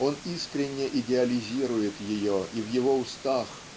он искренне идеализирует ее и в его устах